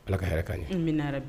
Ala ka hɛrɛ ka ye